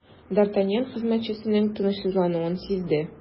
Д’Артаньян хезмәтчесенең тынычсызлануын сизде.